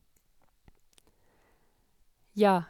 Ja.